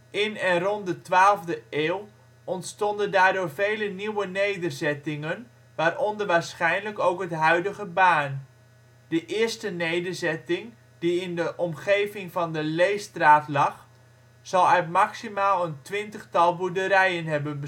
In en rond de twaalfde eeuw ontstonden daardoor vele nieuwe nederzettingen, waaronder waarschijnlijk ook het huidige Baarn. De eerste nederzetting, die in de omgeving van de Leestraat lag, zal uit maximaal een twintigtal boerderijen hebben